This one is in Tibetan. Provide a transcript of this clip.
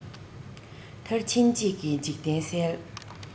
མཐར ཕྱིན གཅིག གིས འཇིག རྟེན གསལ